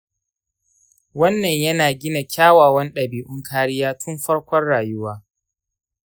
wannan yana gina kyawawan dabi'un kariya tun farkon rayuwa